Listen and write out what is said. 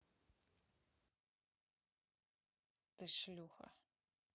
ты шлюха